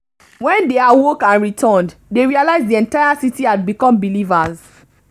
When they awoke and returned, they realized the entire city had become believers.